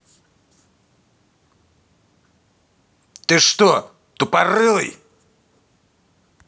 ты что тупорылый